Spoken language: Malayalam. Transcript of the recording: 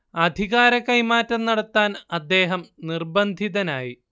അധികാര കൈമാറ്റം നടത്താൻ അദ്ദേഹം നിർബന്ധിതനായി